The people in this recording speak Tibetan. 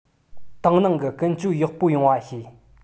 ཏང ནང གི ཀུན སྤྱོད ཡག པོ ཡོང བ བྱས